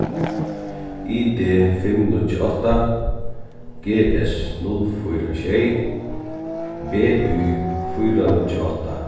i d fimm níggju átta g s null fýra sjey b y fýra níggju átta